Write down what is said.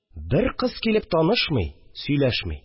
Бер кыз килеп танышмый, сөйләшми